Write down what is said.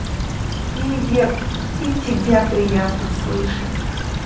фейерверк и тебя приятно слышать